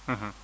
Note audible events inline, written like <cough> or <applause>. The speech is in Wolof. <hesitation> <hesitation>